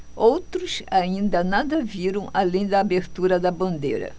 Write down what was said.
outros ainda nada viram além da abertura da bandeira